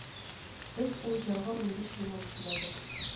Без ул җырга унбиш лимон түләдек